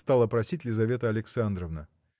– стала просить Лизавета Александровна.